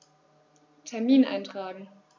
Termin eintragen